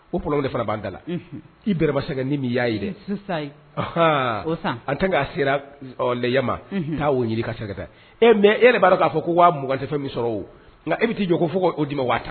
O p de fana b'an da la ibba sɛgɛgɛ ni min y'a ye dɛ an tɛ k'a sera lema k'a wo ɲini ka sɛgɛta ɛ mɛ e b'a k'a fɔ ko wa mugan tɛfɛn min sɔrɔ nka e bɛ taa jɔ ko fɔ ko oo di ma waa tan